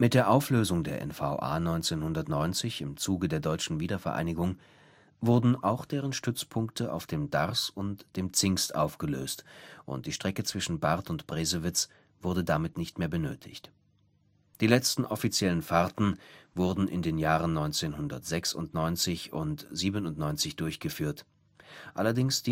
der Auflösung der NVA 1990 im Zuge der deutschen Wiedervereinigung wurden auch deren Stützpunkte auf dem Zingst aufgelöst und die Strecke zwischen Barth und Bresewitz nicht mehr benötigt. Die letzten Fahrten fanden in den Jahren 1996 und 1997 statt, als